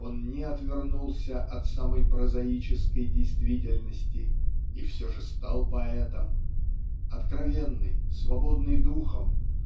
Он не отвернулся от самой прозаической действительности и все же стал поэтом. Откровенный свободный духом